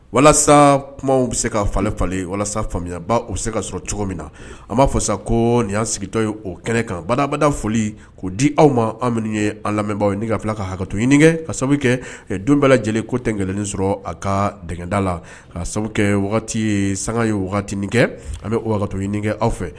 Walasa kumaw bɛ se ka falen walasa faamuyayaba bɛ se ka sɔrɔ cogo min na a b'a fɔsa ko nin y'an sigitɔ ye o kɛnɛ kan badabada foli k' di aw ma minnu ye an lamɛn ye ka ka hakɛkato ɲini kɛ ka sababu kɛ don bɛɛ lajɛlen ko tɛ gɛlɛn sɔrɔ a ka dɛda la ka sababu kɛ ye sanga ye ni kɛ an bɛto kɛ aw fɛ